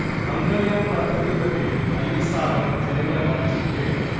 മംഗൾയാൻ പദ്ധതിയുടെ പേരിൽ I. S. R. O. ജനങ്ങളെ വഞ്ചിക്കുകയാണ്